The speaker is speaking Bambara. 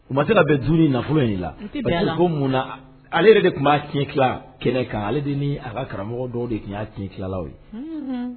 U ma se bɛn du nafolo in la ko mun na ale de tun' tiɲɛ tila kɛlɛ kan ale de a ka karamɔgɔ dɔw de tun y'a tiɲɛ tilalaw ye